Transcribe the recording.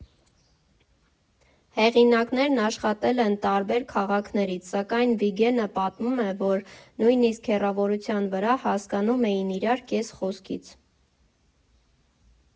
Հեղինակներն աշխատել են տարբեր քաղաքներից, սակայն Վիգէնը պատմում է, որ նույնիսկ հեռավորության վրա հասկանում էին իրար կես խոսքից։